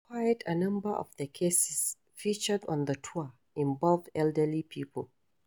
Quite a number of the cases featured on the tour involve elderly people.